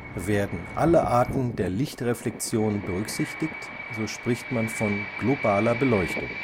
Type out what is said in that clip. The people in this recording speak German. Werden alle Arten der Lichtreflexion berücksichtigt, so spricht man von globaler Beleuchtung